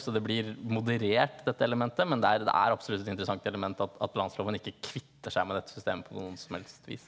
så det blir moderert dette elementet men det er det er absolutt et interessant element at at landsloven ikke kvitter seg med dette systemet på noe som helst vis.